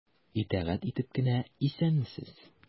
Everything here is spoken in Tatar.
Итагать итеп кенә:— Исәнмесез!